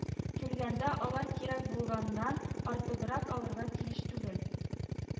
Килгәндә, алар кирәк булганнан артыграк алырга тиеш түгел”